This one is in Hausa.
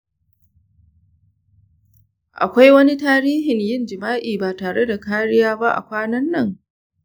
akwai wani tarihin yin jima’i ba tare da kariya ba kwanan nan?